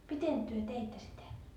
miten te teitte sitä